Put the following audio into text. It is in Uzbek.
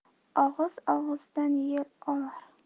og'iz og'izdan yel olar